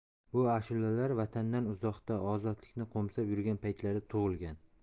bu ashulalar vatandan uzoqda ozodlikni qo'msab yurgan paytlarda tug'ilgan